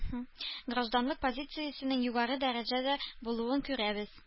Гражданлык позициясенең югары дәрәҗәдә булуын күрәбез